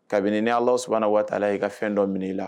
Kabini ni Alahu subahana watala ye i ka fɛn dɔ minɛ l la.